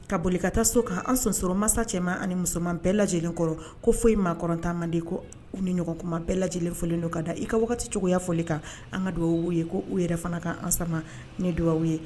Ka boli ka taa so k'an sonsɔrɔ masa cɛman ani musoman bɛɛ lajɛlen kɔrɔ ko foyi maaɔrɔntan manden ko u ni ɲɔgɔnkuma bɛɛ lajɛlen fɔlen don ka da i ka waati wagaticogo cogoyaya foli kan an ka dugawuw ye u yɛrɛ fana ka an sama ne dugawuwa ye